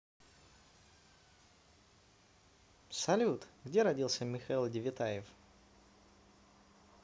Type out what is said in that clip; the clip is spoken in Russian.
салют где родился михаил девятаев